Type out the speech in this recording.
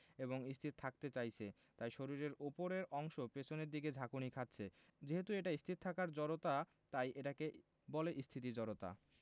এবং স্থির থাকতে চাইছে তাই শরীরের ওপরের অংশ পেছনের দিকে ঝাঁকুনি খাচ্ছে যেহেতু এটা স্থির থাকার জড়তা তাই এটাকে বলে স্থিতি জড়তা